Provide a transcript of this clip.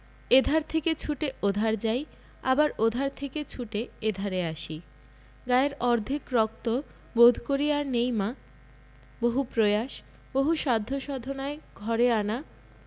এধার থেকে ছুটে ওধার যাই আবার ওধার থেকে ছুটে এধারে আসি গায়ের অর্ধেক রক্ত বোধ করি আর নেই মা বহু প্রয়াস বহু সাধ্য সাধনায় ঘরে আনা